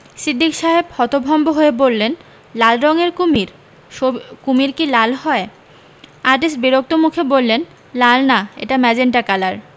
সিদ্দিক সাহেব হতভম্ব হয়ে বললেন লাল রঙের কুমীর কুমীর কি লাল হয় আর্টিস্ট বিরক্ত মুখে বললেন লাল না এটা মেজেন্টা কালার